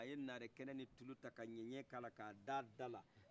a ye narekɛnɛ ni tulu ta ka ɲɛɲɛ kɛ a la k' a da a la